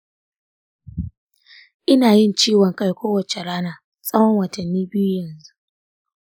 ina yin ciwon kai kowace rana tsawon watanni biyu yanzu.